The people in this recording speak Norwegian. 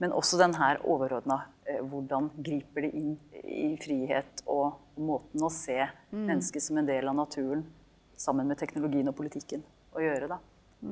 men også den her overordna hvordan griper det inn i frihet og måten å se mennesker som en del av naturen sammen med teknologien og politikken å gjøre da.